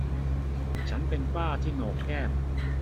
ฉันเป็นฝ้าที่โหนกแก้ม